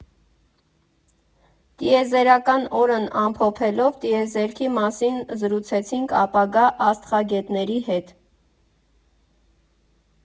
Տիեզերական օրն ամփոփելով՝ տիեզերքի մասին զրուցեցինք ապագա աստղագետների հետ։